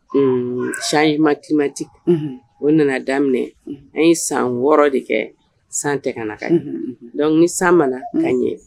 Un changement climatique unhun o nana daminɛ an ye san 6 de kɛ san tɛ kana unhun donc ni san mana ka ɲɛ